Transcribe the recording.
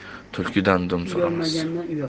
ham tulkidan dum so'ramas